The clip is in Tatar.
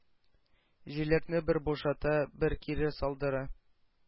Җиләкне бер бушата, бер кире салдыра.